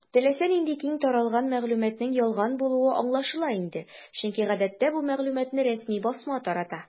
Теләсә нинди киң таралган мәгълүматның ялган булуы аңлашыла иде, чөнки гадәттә бу мәгълүматны рәсми басма тарата.